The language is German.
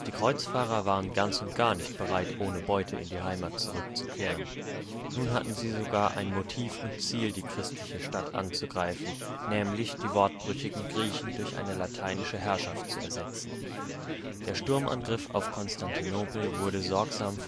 Kreuzfahrer waren ganz und gar nicht bereit, ohne Beute in die Heimat zurückzukehren. Nun hatten sie sogar ein Motiv und Ziel, die christliche Stadt anzugreifen, nämlich die wortbrüchigen Griechen durch eine lateinische Herrschaft zu ersetzen. Der Sturmangriff auf Konstantinopel wurde sorgsam